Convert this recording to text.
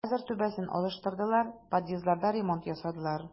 Хәзер түбәсен алыштырдылар, подъездларда ремонт ясадылар.